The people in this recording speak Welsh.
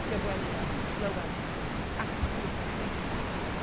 gyfweliad, neu clyweliad, absolutely amazing.